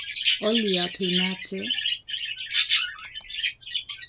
olja til matgerð